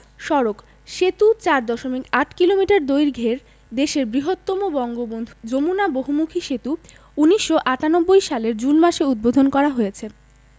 সড়ক সেতু ৪দশমিক ৮ কিলোমিটার দৈর্ঘ্যের দেশের বৃহতম বঙ্গবন্ধু যমুনা বহুমুখী সেতু ১৯৯৮ সালের জুন মাসে উদ্বোধন করা হয়েছে